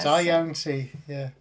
Da iawn ti, ie.